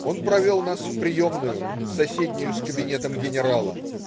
Он провел нас в приемную, соседнюю с кабинетом генерала.